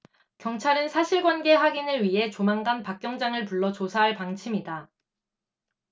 경찰은 사실관계 확인을 위해 조만간 박 경장을 불러 조사할 방침이다